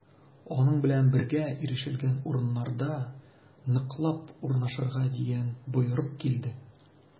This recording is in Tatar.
Аның белән бергә ирешелгән урыннарда ныклап урнашырга дигән боерык килде.